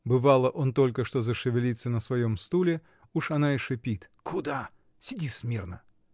бывало, он только что зашевелится на своем стуле, уж она и шипит: "Куда? Сиди смирно".